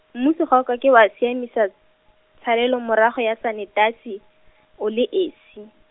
mmuso ga o ka ke wa siamisa, tshalelomorago ya sanetasi, o le esi.